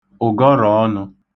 ụ̀gọrọ̀ọnụ̄